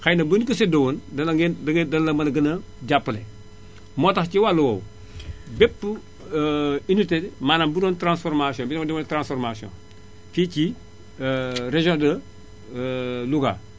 xay na bu ñu ko séddoo woon dana ngeen da ngeen dana la mën a gën a jàppale moo tax ci wàllu woowu bépp unité maanaam bu doon transformation bi nga xam ne dangay transformation fii ci région de Louga